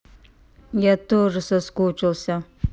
я тоже соскучился